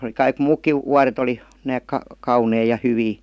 oli kaikki muutkin vuodet oli nääs - kauniita ja hyviä